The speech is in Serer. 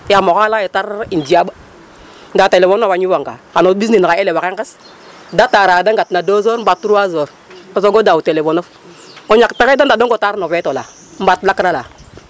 Yaam axa laya yee tax rek um jaaɓ ndaa téléphone nof a ñufanga xan a ɓisnin xa elew nqes da tara yete ngatna 2 heures mbat 3 heures o sooga daaw o téléphone of o ñak pexey de ndandong o tar no feet ola mbat lakra la.